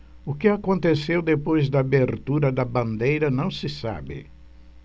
o que aconteceu depois da abertura da bandeira não se sabe